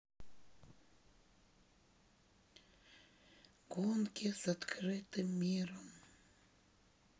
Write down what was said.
гонки с открытым миром